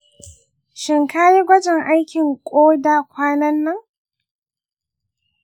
shin ka yi gwajin aikin koda kwanan nan?